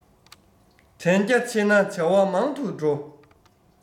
དྲན རྒྱ ཆེ ན བྱ བ མང དུ འགྲོ